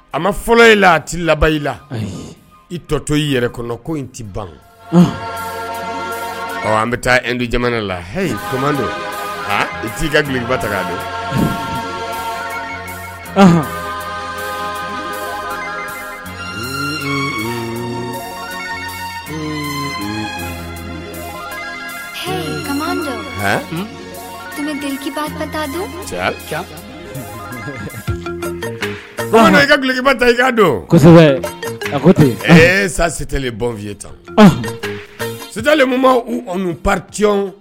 A ma fɔlɔ i la a tɛ laban i la i tɔ to i yɛrɛ kɔnɔ ko in tɛ ban ɔ an bɛ taa edi jamana la h don i ti kakiba ta donki bamanan i ka gkiba ta i ka don a sa tɛlen bɔ vye tanli u patiy